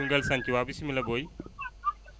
Koungheul santhie waa bisimilah Boy